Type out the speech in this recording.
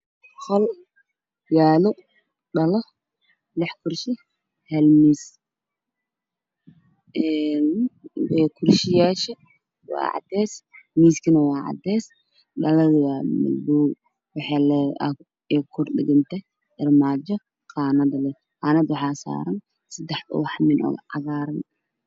Qol yaalo dhalo iyo lix kuraas oo lagu cunteeyo dhalada midabkeedu waa madow kuraasta midabkooduna waa caddees